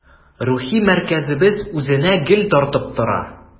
Рухи мәркәзебез үзенә гел тартып тора.